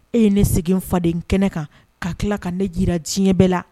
E ye ne segin faden kɛnɛ kan ka tila ka ne jira diɲɛ bɛɛ la